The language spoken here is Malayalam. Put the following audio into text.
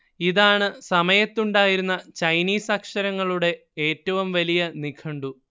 ഇതാണ് സമയത്ത് ഉണ്ടായിരുന്ന ചൈനീസ് അക്ഷരങ്ങളുടെ ഏറ്റവും വലിയ നിഘണ്ടു